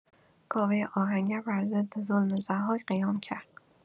کاوۀ آهنگر بر ضد ظلم ضحاک قیام کرد.